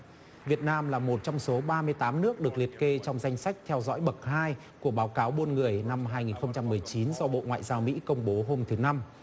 việt nam là một trong số ba mươi tám nước được liệt kê trong danh sách theo dõi bậc hai của báo cáo buôn người năm hai nghìn không trăm mười chín do bộ ngoại giao mỹ công bố hôm thứ năm